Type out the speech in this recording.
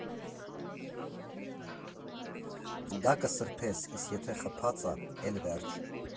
Դա կսրբես, իսկ եթե խփած ա՝ էլ վերջ։